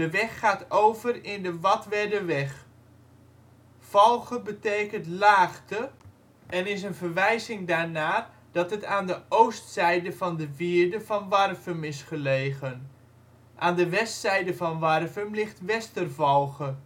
weg gaat over in de Wadwerderweg. Valge betekent laagte (vergelijk vallei) en is een verwijzing daarna dat het aan de oostzijde van de wierde van Warffum is gelegen. Aan de westzijde van Warffum ligt Westervalge